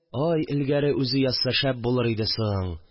Ай, элгәре үзе язса шәп булыр иде соң